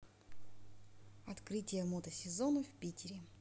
открытие мотосезона в питере